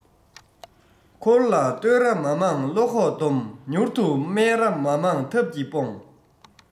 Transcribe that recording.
འཁོར ལ བསྟོད ར མ མང བློ ཁོག སྡོམས མྱུར དུ སྨད ར མ མང ཐབས ཀྱིས སྤོང